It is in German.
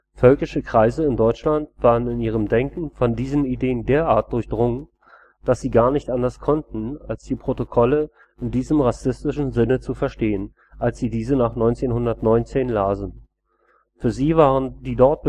Völkische Kreise in Deutschland waren in ihrem Denken von diesen Ideen derart durchdrungen, dass sie gar nicht anders konnten, als die Protokolle in diesem rassistischen Sinne zu verstehen, als sie diese nach 1919 lasen. Für sie waren die dort